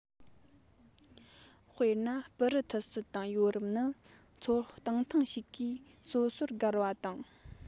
དཔེར ན སྦུ རི ཐི སི དང ཡོ རོབ ནི མཚོ གཏིང ཐུང ཞིག གིས སོ སོར བཀར བ དང